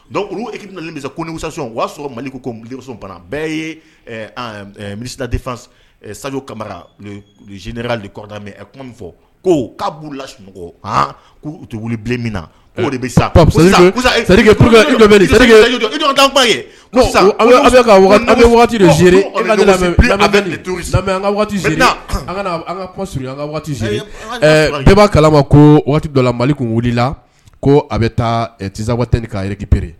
Dɔnku olukisa kosa o y'a sɔrɔ koso bana bɛɛ ye misi de sa kamara zli kɔrɔda fɔ ko'ala tɛ wili bilen min na defa ze zina ka an ze b'a kala ma ko waati dɔ mali tun wulilala ko a bɛ taa tizsat ni k'kipre